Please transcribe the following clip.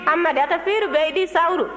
amadi taa firu beyidi sawuru